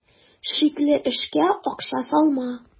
Шикле эшкә акча салма.